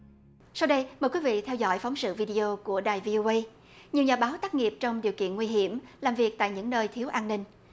sau đây mời quý vị theo dõi phóng sự vi đi ô của đài vi ô ây nhiều nhà báo tác nghiệp trong điều kiện nguy hiểm làm việc tại những nơi thiếu an ninh